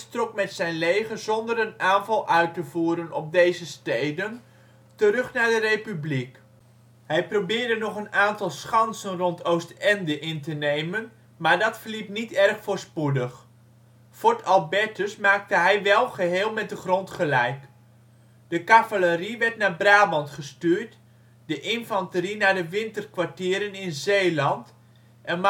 trok met zijn leger zonder een aanval uit te voeren op deze steden terug naar de Republiek. Hij probeerde nog een aantal schansen rond Oostende in te nemen, maar dat verliep niet erg voorspoedig. Fort Albertus maakte hij wel geheel met de grond gelijk. De cavalerie werd naar Brabant gestuurd, de infanterie naar de winterkwartieren in Zeeland en